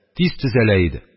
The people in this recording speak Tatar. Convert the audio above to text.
Тиз төзәлә иде.